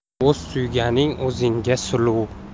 o'z suyganing o'zingga suluv